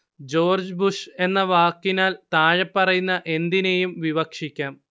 George Bush എന്ന വാക്കിനാൽ താഴെപ്പറയുന്ന എന്തിനേയും വിവക്ഷിക്കാം